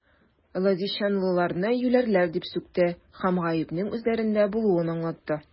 Лозищанлыларны юләрләр дип сүкте һәм гаепнең үзләрендә булуын аңлатты.